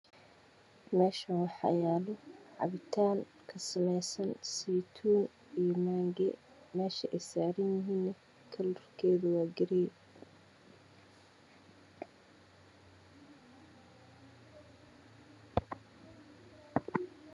Meeshaan waxaa yaalo cabitaan kasameysan saytuun iyo maange meesha ay saaran yihiin colorkeedu waa gariin